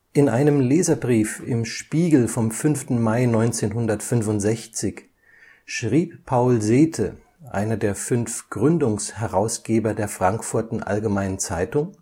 In einem Leserbrief im Spiegel vom 5. Mai 1965 schrieb Paul Sethe, einer der fünf Gründungsherausgeber der Frankfurter Allgemeinen Zeitung